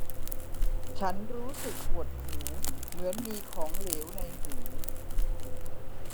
ฉันรู้สึกปวดหูเหมือนมีของเหลวในหู